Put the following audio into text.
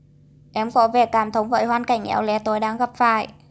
em có vẻ cảm thông với hoàn cảnh éo le tôi đang gặp phải